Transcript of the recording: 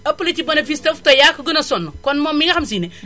ëppële ci bénéfice taf te yaa ko gën a sonn kon moom mi nga xam si ne